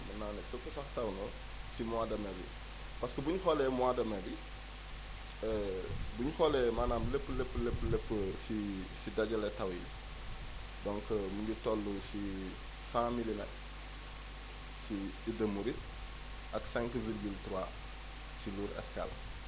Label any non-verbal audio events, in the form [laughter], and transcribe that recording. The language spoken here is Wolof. mën naa ne fépp sax taw na ci mois de mais bi parce que bu ñu xoolee mois de mai bi [hesitation] bi énu xoolee maanaam lépp lépp lépp lépp lépp si si dajale taw yi donc mu ngi toll ci 100 milimètres si Idda Mouride ak 5 virgule 3 si Lour Escale